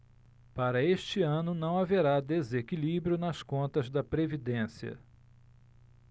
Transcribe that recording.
para este ano não haverá desequilíbrio nas contas da previdência